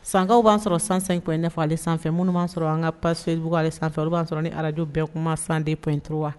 Sankaw b'a sɔrɔ san san ne faga aleale sanfɛ minnu b'a sɔrɔ an ka pasfeduale sanfɛfɛ o b'a sɔrɔ ni araj bɛn kuma san dep duuruuru wa